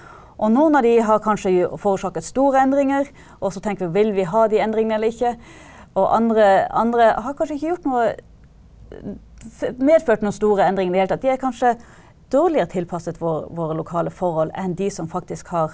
og noen av de har kanskje forårsaket store endringer, og så tenker vi vil vi ha de endringene eller ikke, og andre andre har kanskje ikke gjort noe medført noen store endringer i det hele tatt, de er kanskje dårligere tilpasset våre lokale forhold enn de som faktisk har.